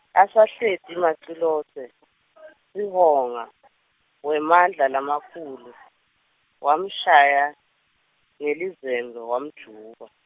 Asahleti Macilose, Sihonga wemandla lamakhulu wamshaya ngelizembe wamjuba.